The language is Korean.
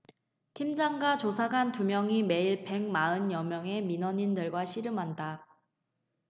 팀장과 조사관 두 명이 매일 백 마흔 여명의 민원인들과 씨름한다